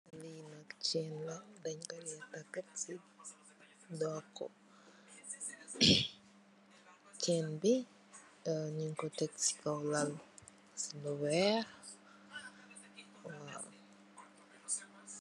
Li nak chain la deng ko taga si bopo chain bi nyun ko teeg si kaw laal si lu weex.